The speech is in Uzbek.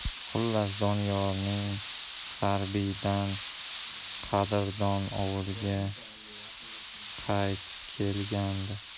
xullas doniyorning harbiydan qadrdon ovulga qaytib kelgandi